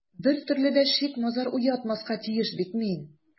Бер төрле дә шик-мазар уятмаска тиеш бит мин...